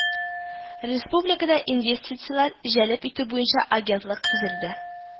Республикада Инвестицияләр җәлеп итү буенча агентлык төзелде